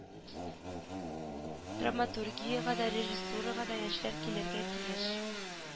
Драматургиягә дә режиссурага да яшьләр килергә тиеш